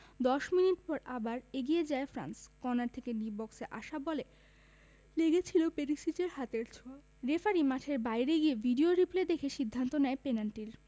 ১০ minute পর আবার এগিয়ে যায় ফ্রান্স কর্নার থেকে ডি বক্সে আসা বলে লেগেছিল পেরিসিচের হাতের ছোঁয়া রেফারি মাঠের বাইরে গিয়ে ভিডিও রিপ্লে দেখে সিদ্ধান্ত নেয় পেনাল্টির